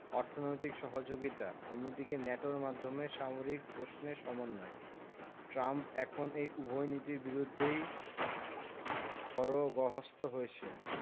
অর্থনৈতিক সহযোগিতা অন্যদিকে ন্যাটোর মাধ্যমে সামরিক প্রশ্নে সমন্বয় ট্রাম্প এখন এই উভয় নীতির বিরুদ্ধেই খড়গহস্ত হয়েছেন